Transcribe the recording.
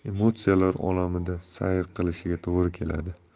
ham emotsiyalar olamida sayr qilishiga to'g'ri keladi